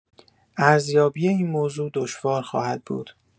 ارزیابی این موضوع دشوار خواهد بود.